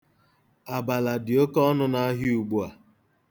Abala dị oke onu n'ahịa ugbua.